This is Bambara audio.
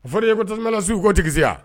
F fɔ ye ko tilasiw' tɛ kisi wa